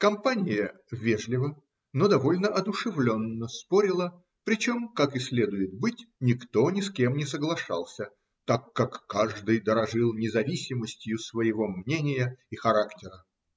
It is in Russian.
Компания вежливо, но довольно одушевленно спорила, причем, как и следует быть, никто ни с кем не соглашался, так как каждый дорожил независимостью своего мнения и характера.